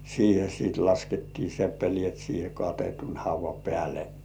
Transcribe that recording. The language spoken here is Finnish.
siihen sitten laskettiin seppeleet siihen katetun haudan päälle